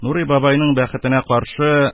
Нурый бабайның бәхетенә каршы,